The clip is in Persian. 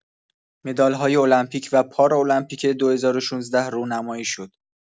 مدال‌های المپیک و پارالمپیک ۲۰۱۶ رونمایی شد.